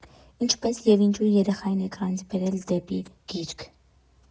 Ինչպե՞ս և ինչո՞ւ երեխային էկրանից բերել դեպի գիրք։